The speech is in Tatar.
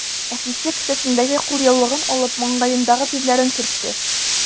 Әтисе, кесәсендәге кулъяулыгын алып, маңгаендагы тирләрен сөртте.